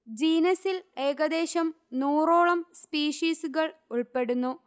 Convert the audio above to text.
ജീനസിൽ ഏകദേശം നൂറോളം സ്പീഷിസുകൾ ഉൾപ്പെടുന്നു